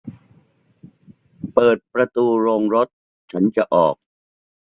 เปิดประตูโรงรถฉันจะออก